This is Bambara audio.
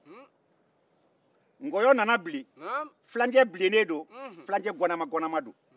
nkɔyɔ nana kɛ tilancɛ bilennen don tilancɛ ganannama don